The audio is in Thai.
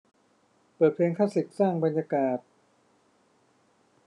เปิดเพลงคลาสสิกสร้างบรรยากาศ